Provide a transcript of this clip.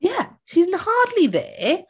Yeah she's n- hardly there.